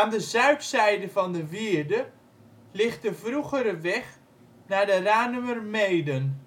de zuidzijde van de wierde ligt de vroegere weg naar de Ranumer Meeden